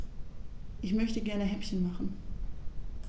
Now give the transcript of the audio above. Ich möchte gerne Häppchen machen.